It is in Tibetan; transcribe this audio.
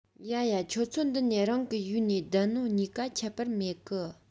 ཡ ཡ ཁྱོད ཚོ འདི ནས རང གི ཡུའུ ནས བསྡད ནོ གཉིས ཀ ཁྱད པར མེད གི